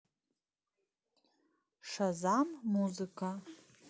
шазам музыка